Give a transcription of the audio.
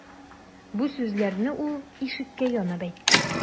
Бу сүзләрне ул ишеккә янап әйтте.